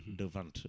de vente